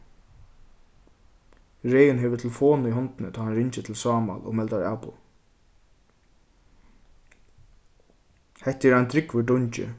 regin hevur telefon í hondini tá hann ringir til sámal og meldar avboð hetta er ein drúgvur dungi